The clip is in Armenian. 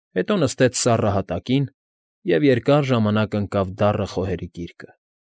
Հետո նստեց սառը հատակին և երկար ժամանակ ընկավ դառը խոհերի գիրկը։